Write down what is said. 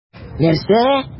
Нәрсә?!